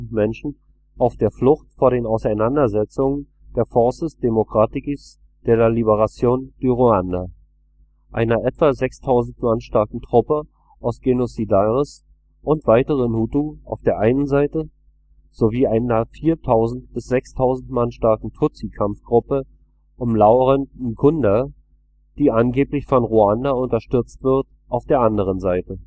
Menschen auf der Flucht vor den Auseinandersetzungen der Forces Démocratiques de la Libération du Rwanda, einer etwa 6000 Mann starken Truppe aus Génocidaires und weiteren Hutu auf der einen Seite sowie einer 4000 bis 6000 Mann starken Tutsi-Kampfgruppe um Laurent Nkunda, die angeblich von Ruanda unterstützt wird, auf der anderen Seite